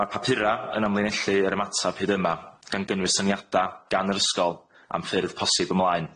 Ma'r papura yn amlinellu yr ymateb hyd yma gan gynnwys syniada' gan yr ysgol am ffyrdd posib ymlaen.